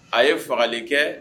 A ye fagali kɛ